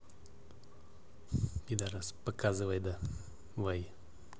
пидарас показывай давай